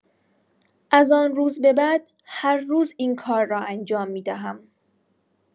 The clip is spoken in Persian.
از آن روز به بعد، هر روز این کار را انجام می‌دهم.